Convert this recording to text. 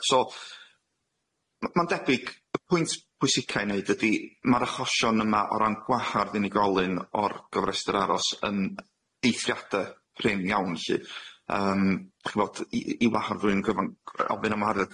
So m- ma'n debyg y pwynt pwysica i neud ydi ma'r achosion yma o ran gwahardd unigolyn o'r gofrestyr aros yn eithriade prin iawn lly yym d'ch'mod i i waharddwyr yn gyfan g- r- ofyn am wahardd